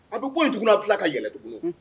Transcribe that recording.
A bɛ bɔ in jugunna tila kaɛlɛn dugu